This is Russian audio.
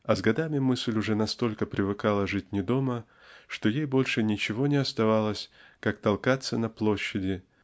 а с годами мысль уже настолько привыкала жить не дома что ей больше ничего не оставалось как . толкаться на. площади